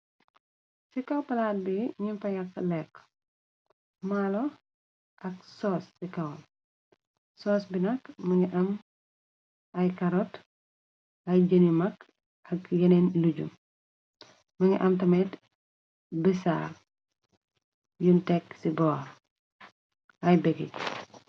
Ci kaw palaat bi nyung fa yak lekk maalo ak soos ci kawan soos bi nakk mugi am ay karot ay jënyi mag ak yeneen lejump mugi am tamet bi sarb yun tekk ci boor ay bekik.